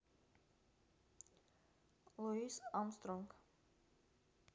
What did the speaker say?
луис армстронг